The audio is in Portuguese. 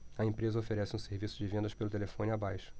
a empresa oferece um serviço de vendas pelo telefone abaixo